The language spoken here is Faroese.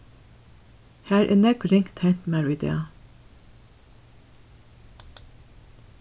har er nógv ringt hent mær í dag